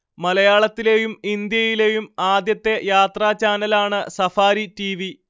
മലയാളത്തിലെയും ഇന്ത്യയിലെയും ആദ്യത്തെ യാത്രാചാനലാണ് സഫാരി ടിവി